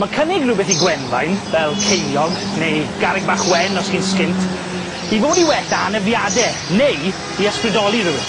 Ma' cynnig rwbeth i Gwenfain, fel ceiniog, neu garreg bach wen os chi'n sgint, i fod i wella anafiade, neu i ysbrydoli rywun.